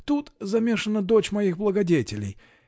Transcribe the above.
Тут замешана дочь моих благодетелей.